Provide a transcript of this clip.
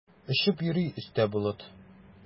Очып йөри өстә болыт.